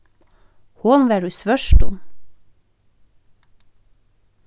hon var í svørtum